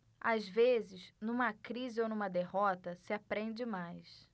às vezes numa crise ou numa derrota se aprende mais